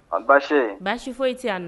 An baasi baasi foyi tɛ a na